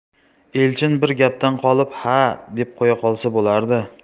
elchin bir gapdan qolib ha deb qo'ya qolsa bo'lardi